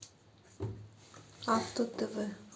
авто тв